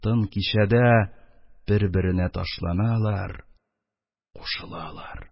Тын кичәдә бер-беренә ташланалар, кушылалар.